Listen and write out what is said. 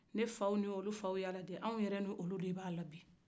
ne faw ni olu faw ya la jɛ an yɛrɛ ni olu de b'a la bi